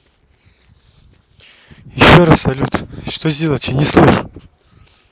еще раз салют что сделать я не слышу